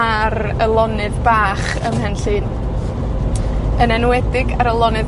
ar y lonydd bach ym Mhenllyn. Yn enwedig ar y lonydd